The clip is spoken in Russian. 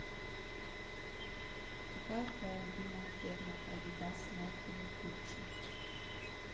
какая твоя любимая ферма адидас найк или gucci